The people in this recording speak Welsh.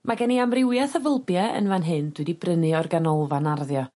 Mae gen i amrywieth o fylbia yn fan hyn dwi 'di brynu o'r ganolfan arddio